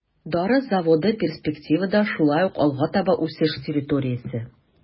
Дары заводы перспективада шулай ук алга таба үсеш территориясе.